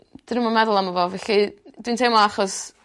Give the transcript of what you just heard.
'dyn nw'm yn meddwl am'o fo felly dwi'n teimlo achos